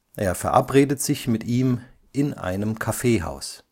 Er verabredet sich mit ihm in einem Kaffeehaus